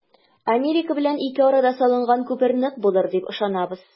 Америка белән ике арада салынган күпер нык булыр дип ышанабыз.